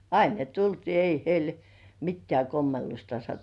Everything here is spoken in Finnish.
aina ne tultiin ei heille mitään kommellusta -